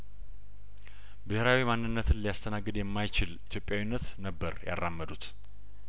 ብሄራዊ ማንነትን ሊያስተናግድ የማይችል ኢትዮጵያዊነት ነበር ያራመዱት